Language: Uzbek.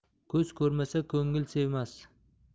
ko'z ko'rmasa ko'ngil sevmas